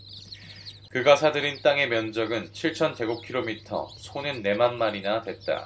그가 사 들인 땅의 면적은 칠천 제곱키로미터 소는 네 만마리나 됐다